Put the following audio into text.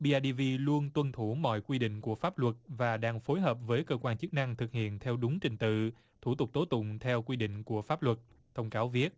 bi ai đi vi luôn tuân thủ mọi quy định của pháp luật và đang phối hợp với cơ quan chức năng thực hiện theo đúng trình tự thủ tục tố tụng theo quy định của pháp luật thông cáo viết